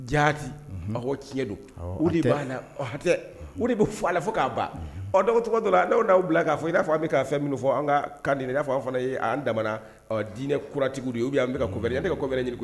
Jaa tiɲɛ don de b'a la hatɛ de bɛ fɔ la fo k'a ban dɔgɔ cogo dɔrɔn'aw bila'a fɔ i n'a bɛ ka fɛn min fɔ an ka ka di n'a fɔ fana'an dinɛ kuratigiwdu u b'an ka koɛ ne ka koɛni ɲini